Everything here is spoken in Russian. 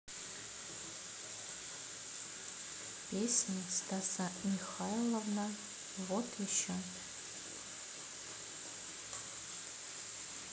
песни стаса михайловна вот еще